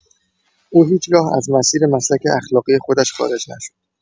او هیچ‌گاه از مسیر مسلک اخلاقی خودش خارج نشد.